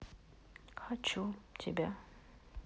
хочу тебя